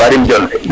Kadim Dione